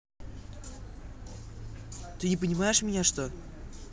ты не понимаешь меня что